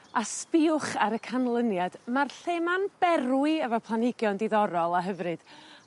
A sbïwch ar y canlyniad. Ma'r lle 'ma'n berwi efo planhigion diddorol a hyfryd